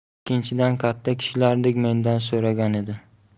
ikkinchidan katta kishilardek mendan so'ragan edi